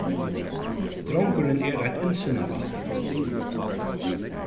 drongurin er eitt illsinnavætti